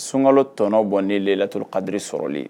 Sunkalo tɔnɔ bɔ ni layilaturu kadiri sɔrɔli ye